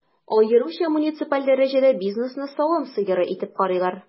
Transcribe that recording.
Аеруча муниципаль дәрәҗәдә бизнесны савым сыеры итеп карыйлар.